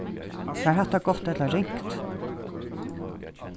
var hatta gott ella ringt